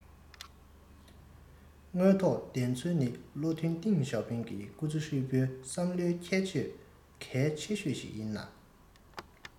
དངོས ཐོག བདེན འཚོལ ནི བློ མཐུན ཏེང ཞའོ ཕིང གི སྐུ ཚེ ཧྲིལ པོའི བསམ བློའི ཁྱད ཆོས གལ ཆེ ཤོས ཤིག ཡིན ལ